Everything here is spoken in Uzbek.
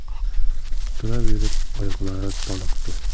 turaverib oyoqlari toliqdi